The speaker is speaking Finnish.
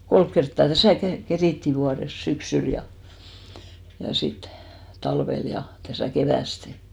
kolme kertaa tässä - kerittiin vuodessa syksyllä ja ja sitten talvella ja tässä keväästi